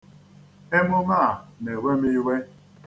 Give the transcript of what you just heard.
Emume a na-ewe m iwe.